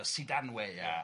a sidanwe